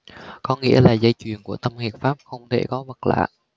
có nghĩa là dây chuyền của tân hiệp phát không thể có vật lạ